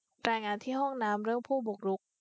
รายงานที่ห้องน้ำเรื่องผู้บุกรุก